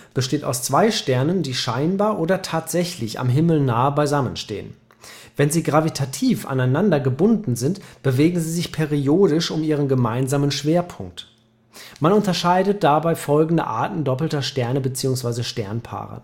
besteht aus zwei Sternen, die scheinbar oder tatsächlich am Himmel nahe beisammen stehen. Wenn sie gravitativ aneinander gebunden sind, bewegen sie sich periodisch um ihren gemeinsamen Schwerpunkt. Man unterscheidet folgende Arten doppelter Sterne bzw. Sternpaare